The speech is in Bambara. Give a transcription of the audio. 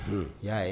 Y'a ye